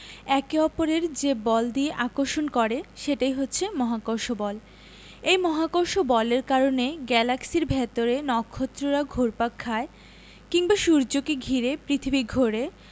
একে অপরের যে বল দিয়ে আকর্ষণ করে সেটাই হচ্ছে মহাকর্ষ বল এই মহাকর্ষ বলের কারণে গ্যালাক্সির ভেতরে নক্ষত্ররা ঘুরপাক খায় কিংবা সূর্যকে ঘিরে পৃথিবী ঘোরে